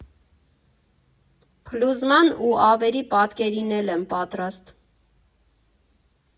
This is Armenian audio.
Փլուզման ու ավերի պատկերին էլ եմ պատրաստ .